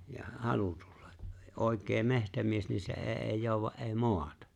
ja halu tulla oikea metsämies niin se ei ei jouda ei maata